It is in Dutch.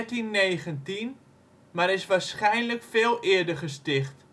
in 1319, maar is waarschijnlijk (veel) eerder gesticht